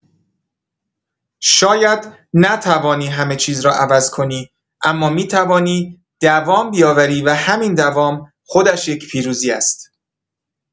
شاید نتوانی همه‌چیز را عوض کنی، اما می‌توانی دوام بیاوری و همین دوام، خودش یک پیروزی است.